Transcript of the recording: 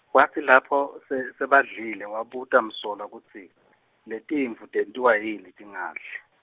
kwatsi lapho se- sebadlile wabuta Msolwa kutsi letimvu tentiwa yini tingadli.